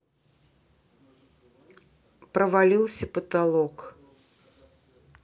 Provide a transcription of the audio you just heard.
провалился потолок